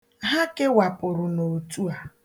Ha kewapụrụ na otu a